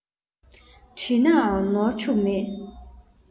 བྲིས ནའང ནོར འཕྱུགས མེད